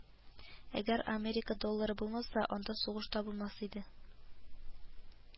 Әгәр Америка доллары булмаса, анда сугыш булмас иде